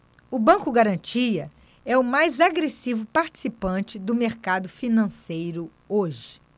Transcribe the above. o banco garantia é o mais agressivo participante do mercado financeiro hoje